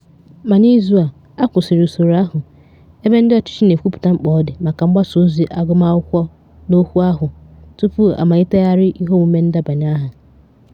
Mana n'izu a, a kwụsịrị usoro ahụ, ebe ndị ọchịchị na-ekwupụta mkpa ọ dị maka mgbasaozi "agụmakwụkwọ obodo" n'okwu ahụ tupu a malitegharịa iheomume ndebanyeaha.